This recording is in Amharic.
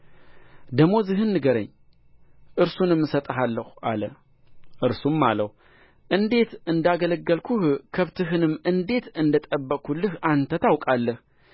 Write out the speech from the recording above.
ደመወዝህን ንገረኝ እርሱንም እሰጥሃለሁ አለ እርሱም አለው እንዴት እንዳገለገልሁህ ከብትህንም እንዴት እንደ ጠበቅሁልህ አንተ ታውቃለህ